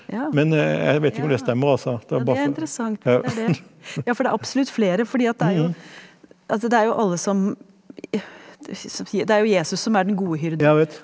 ja ja ja det er interessant hvis det er det, ja for det er absolutt flere fordi at det er jo altså det er jo alle som det er jo Jesus som er den gode hyrde.